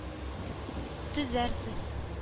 Төзәрсез